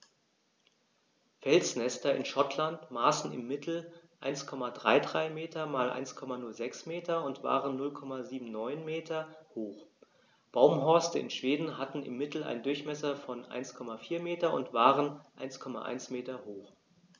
Felsnester in Schottland maßen im Mittel 1,33 m x 1,06 m und waren 0,79 m hoch, Baumhorste in Schweden hatten im Mittel einen Durchmesser von 1,4 m und waren 1,1 m hoch.